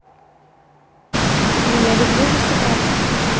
но я люблю высыпаться